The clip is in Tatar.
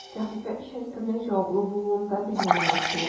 Сәхифә өчен кемнең җаваплы булуын да белмәвен әйтте ул.